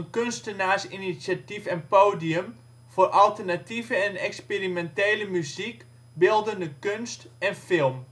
kunstenaarsinitiatief en podium voor alternatieve en experimentele muziek, beeldende kunst en film